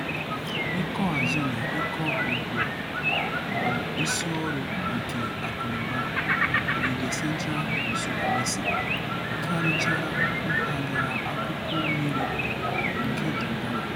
Ịkọ azụ na ịkọ ugbo bụ isi ọrụ nke akụnụba ogige Central Sulawesi, karịchara mpaghara akụkụ mmiri nke Donggala.